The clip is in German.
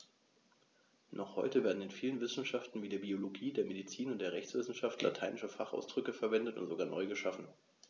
Noch heute werden in vielen Wissenschaften wie der Biologie, der Medizin und der Rechtswissenschaft lateinische Fachausdrücke verwendet und sogar neu geschaffen.